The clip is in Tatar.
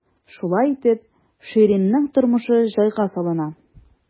Шулай итеп, Ширинның тормышы җайга салына.